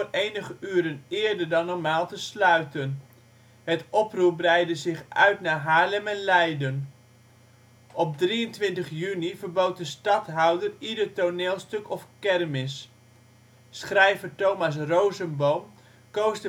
enige uren eerder dan normaal te sluiten. Het oproer breidde zich uit naar Haarlem en Leiden. Op 23 juni verbood de stadhouder ieder toneelstuk of kermis. Schrijver Thomas Rosenboom koos